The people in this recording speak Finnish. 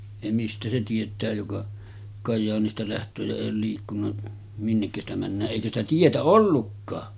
ja mistä se tietää joka Kajaanista lähtee ja ei ole liikkunut minnekä sitä mennään eikä sitä tietä ollutkaan